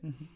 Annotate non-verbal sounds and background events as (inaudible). (hesitation) (hesitation)